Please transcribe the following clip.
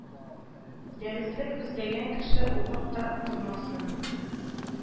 Дәреслек эзләгән кеше укып та тормасын